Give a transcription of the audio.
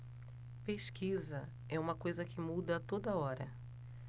pesquisa é uma coisa que muda a toda hora